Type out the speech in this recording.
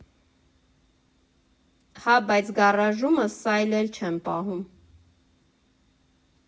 ֊ Հա, բայց գարաժումս սայլ էլ չեմ պահում։